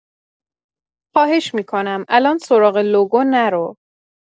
خواهش می‌کنم الان سراغ لوگو نرو.